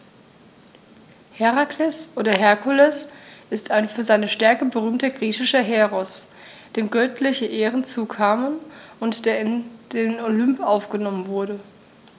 Herakles oder Herkules ist ein für seine Stärke berühmter griechischer Heros, dem göttliche Ehren zukamen und der in den Olymp aufgenommen wurde.